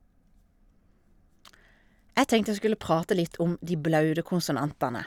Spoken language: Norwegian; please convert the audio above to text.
Jeg tenkte jeg skulle prate litt om de blaute konsonantene.